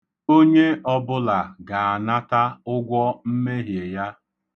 Onye ọbụla ga-anata ụgwọ mmehie ya.